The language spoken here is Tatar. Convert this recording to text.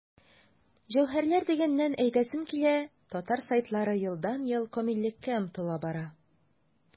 Җәүһәрләр дигәннән, әйтәсем килә, татар сайтлары елдан-ел камиллеккә омтыла бара.